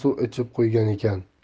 suv ichib qo'ygan ekan